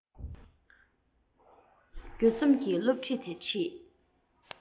བསྒྱུར རྩོམ གྱི སློབ ཚན དེ ཁྲིད